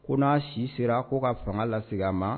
Ko n'a si sera ko' ka fanga la a ma